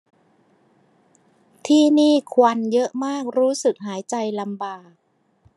ที่นี่ควันเยอะมากรู้สึกหายใจลำบาก